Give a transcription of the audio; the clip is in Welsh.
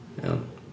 Iawn.